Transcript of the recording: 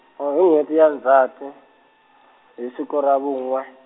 a hi n'wheti ya Ndzhati , hi siku ra vu n'we.